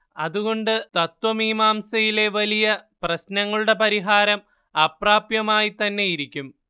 അതുകൊണ്ട് തത്ത്വമീമാംസയിലെ വലിയ പ്രശ്നങ്ങളുടെ പരിഹാരം അപ്രാപ്യമായിത്തന്നെയിരിക്കും